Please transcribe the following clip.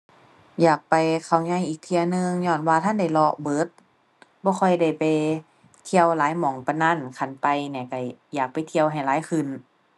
อยากไปเขาใหญ่อีกเที่ยหนึ่งญ้อนว่าทันได้เลาะเบิด บ่ค่อยได้ไปเที่ยวหลายหม้องปานนั้นคันไปนี่ก็อยากไปเที่ยวให้หลายขึ้น